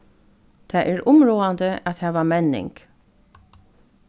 tað er umráðandi at hava menning